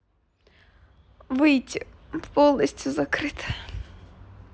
выйти полностью закрыт